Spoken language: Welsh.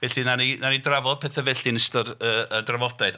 Felly wnawn ni wnawn ni drafod petha felly yn ystod y drafodaeth.